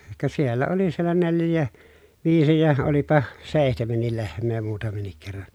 ka siellä oli siellä neljäkin viisi ja olipa seitsemänkin lehmää muutamankin kerran